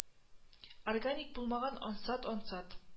Органик булмаган ансат ансат